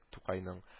Тукайның